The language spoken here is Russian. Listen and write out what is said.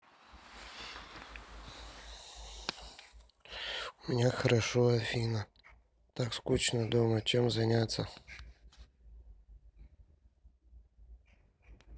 у меня хорошо афина так скучно дома чем заняться